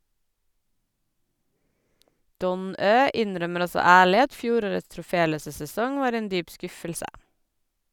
Don Ø innrømmer også ærlig at fjorårets troféløse sesong var en dyp skuffelse.